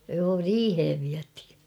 joo riiheen vietiin